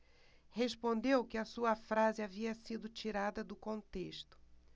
respondeu que a sua frase havia sido tirada do contexto